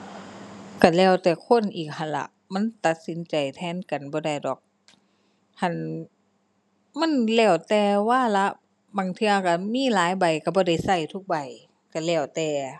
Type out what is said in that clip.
ก็แล้วแต่คนอีกหั้นล่ะ มันตัดสินใจแทนกันบ่ได้ดอก หั้นมันแล้วแต่วาระ บางเทื่อก็มีหลายใบก็บ่ได้ก็ทุกใบก็แล้วแต่